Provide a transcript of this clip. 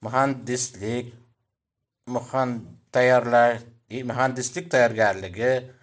muhandislik tayyorgarligi